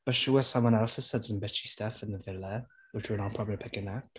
I'm sure someone else has said some bitchy stuff in the villa, which we're not probably picking up.